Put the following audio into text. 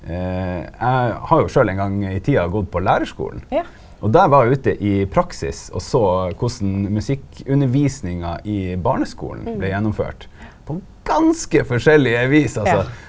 eg har jo sjølv ein gong i tida gått på lærarskulen og der var eg ute i praksis og så korleis musikkundervisninga i barneskulen blei gjennomført på ganske forskjellige vis altså.